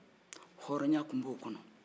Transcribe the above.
hɔrɔnya tun b'o kɔnɔ